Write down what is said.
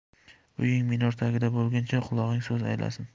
uying minor tagida bo'lguncha qulog'ing so'z anglasin